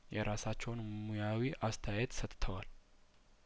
የራሳቸውን ሙያዊ አስተያየት ሰጥተዋል